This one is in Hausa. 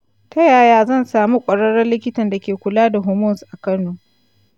ta yaya zan samu ƙwararren likitan da ke kula da hormones a kano?